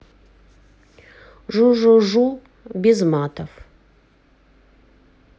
жу жу жу без матов